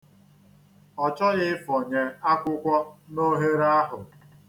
Ọ choghị ịfọnye akwụkwọ n'ohere ahụ.